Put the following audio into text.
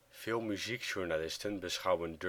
Veel muziekjournalisten beschouwen